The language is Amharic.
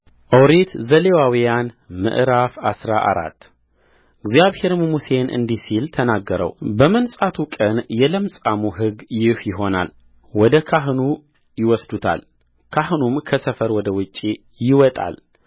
ኦሪት ዘሌዋውያን ምዕራፍ አስራ አራት እግዚአብሔርም ሙሴን እንዲህ ሲል ተናገረውበመንጻቱ ቀን የለምጻሙ ሕግ ይህ ይሆናል ወደ ካህኑ ይወስዱታልካህኑም ከሰፈር ወደ ውጭ ይወጣል